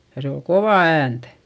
ja se oli kovaa ääntä